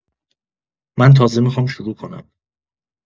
من تازه میخوام شروع کنم